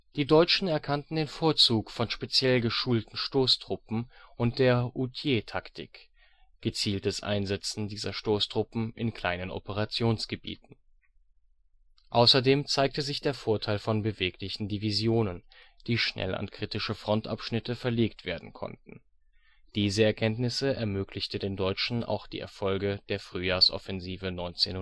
Die Deutschen erkannten den Vorzug von speziell geschulten Stoßtruppen und der Hutier-Taktik (gezieltes Einsetzen dieser Stoßtruppen in kleinen Operationsgebieten). Außerdem zeigte sich der Vorteil von beweglichen Divisionen, die schnell an kritische Frontabschnitte verlegt werden konnten. Diese Erkenntnis ermöglichte den Deutschen auch die Erfolge der Frühjahrsoffensive 1918. Der